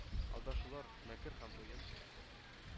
Алдашулар, мәкер һәм уен.